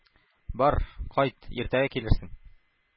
Бар, кайт, иртәгә килерсең.